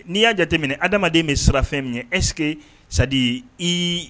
Ni ya jateminɛ adamaden bi siran fɛn min ɲɛ est ce que c'est à dire i